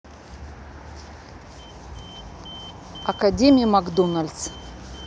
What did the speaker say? academy макдональдс